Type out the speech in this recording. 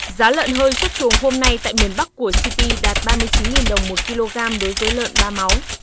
giá lợn hơi xuất chuồng hôm nay tại miền bắc của ci pi đạt ba mươi chín nghìn đồng một ki lô gam đối với lợn ba máu